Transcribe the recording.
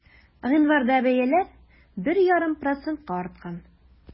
Гыйнварда бәяләр 1,5 процентка арткан.